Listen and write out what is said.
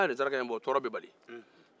n'a ye nin saraka in bɔ tɔɔrɔ be bali